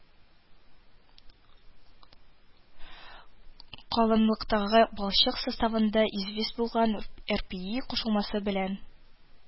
Калынлыктагы балчык составында известь булган рпи кушылмасы белән